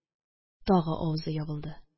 Тагы авызы ябылды